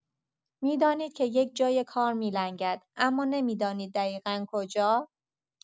می‌دانید که یک جای کار می‌لنگد اما نمی‌دانید دقیقا کجا!